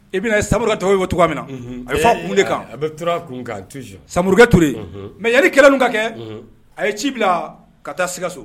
I bɛna ye Samori ka ntale bɛ bɔ cogoya min na ,a bɛ fɔ a kun de kan ,a bɛ sakɛ turu a kun kan toujours _Samɔrikɛ Ture mais yani kɛlɛ nin ka kɛ, a ye ci bila ka taa Sikaso.